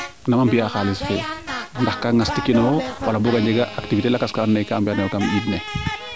nama mbiya xalis fee ndax ka ngas ti kinoyo wala boog a jega activité lakas ka ando naye ka mbiyano kam ndiing ne